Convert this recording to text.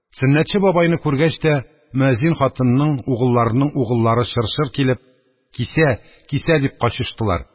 Сөннәтче бабайны күргәч тә, мөәззин хатынының угылларының угыллары, чыр-чыр килеп: «Кисә, кисә!» – дип качыштылар.